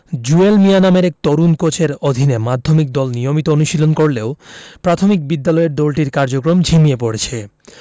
জুয়েল মিয়া নামের এক তরুণ কোচের অধীনে মাধ্যমিক দল নিয়মিত অনুশীলন করলেও প্রাথমিক বিদ্যালয়ের দলটির কার্যক্রম ঝিমিয়ে পড়েছে